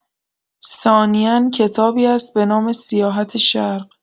ثانیا کتابی است به نام سیاحت شرق